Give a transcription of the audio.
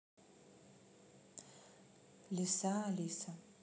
лиса алиса